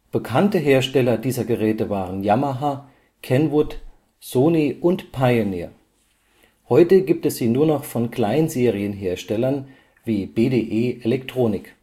Bekannte Hersteller dieser Geräte waren Yamaha, Kenwood, Sony und Pioneer, heute gibt es sie nur noch von Kleinserienherstellern wie BDE Elektronik